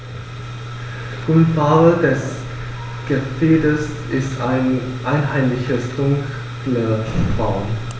Grundfarbe des Gefieders ist ein einheitliches dunkles Braun.